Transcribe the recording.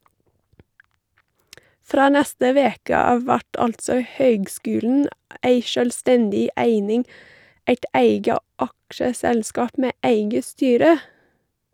Frå neste veke av vert altså høgskulen ei sjølvstendig eining, eit eige aksjeselskap med eige styre.